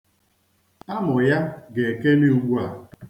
Amụ ya ga-ekeli ugbua.